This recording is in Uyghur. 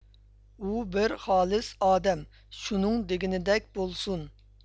ئۇ بىر خالىس ئادەم شۇنىڭ دېگىنىدەك بولسۇن